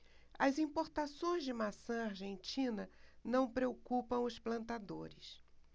as importações de maçã argentina não preocupam os plantadores